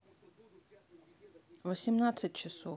восемнадцать часов